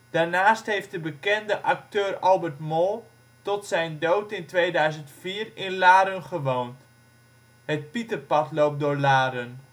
Daarnaast heeft de bekende acteur Albert Mol tot zijn dood in 2004 in Laren gewoond. Het Pieterpad loopt door Laren